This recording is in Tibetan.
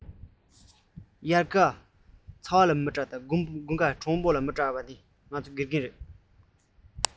དབྱར ཚ བར མི འཇིགས དགུན གྲང ངར ལ མི སྐྲག པ དཀའ ངལ གང འདྲ ཞིག ཕྲད ཀྱང